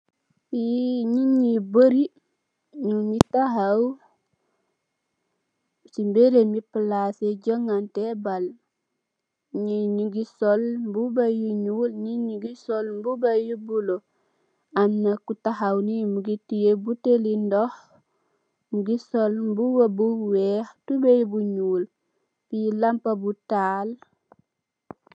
Fii nyi nyu baari nyun ngi tahaw, si bedd mi palasi jongante bal, nyii nyingi sol mbuba yu nyuul, nyii ngi sol mbuba yu bula, amna ku tahaw ni mingi tiye buteli ndox, mingi sol mbuba bu weex, tubay bu nyuul, fi lampa bu taal.